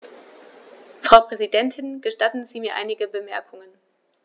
Frau Präsidentin, gestatten Sie mir einige Bemerkungen.